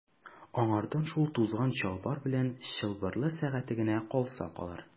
Аңардан шул тузган чалбар белән чылбырлы сәгате генә калса калыр.